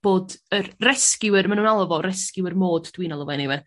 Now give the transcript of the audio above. bod yr rescuer ma' nw'n alw fo rescuer mode dwi'n alw fo eniwe.